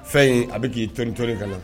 Fɛn in a bɛ k'i t t ka na